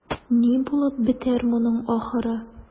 Ни булып бетәр моның ахыры?